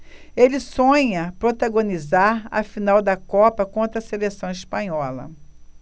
ele sonha protagonizar a final da copa contra a seleção espanhola